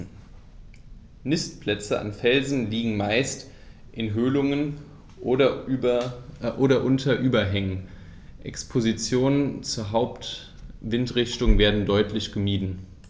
Nistplätze an Felsen liegen meist in Höhlungen oder unter Überhängen, Expositionen zur Hauptwindrichtung werden deutlich gemieden.